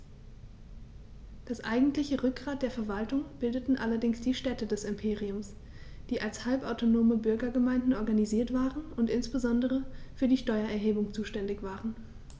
Das eigentliche Rückgrat der Verwaltung bildeten allerdings die Städte des Imperiums, die als halbautonome Bürgergemeinden organisiert waren und insbesondere für die Steuererhebung zuständig waren.